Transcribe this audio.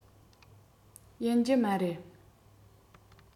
ཡིན གྱི མ རེད